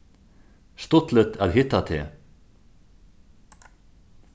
stuttligt at hitta teg